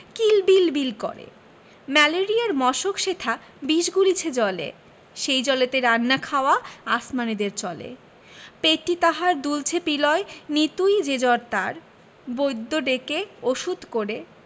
কিল বিল বিল করে ম্যালেরিয়ার মশক সেথা বিষ গুলিছে জলে সেই জলেতে রান্না খাওয়া আসমানীদের চলে পেটটি তাহার দুলছে পিলয় নিতুই যে জ্বর তার বৈদ্য ডেকে ওষুধ করে